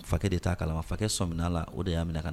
Fa de ta'a kalama fakɛ sɔmina la o de y'a minɛ na